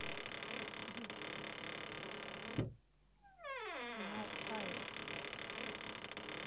канал аист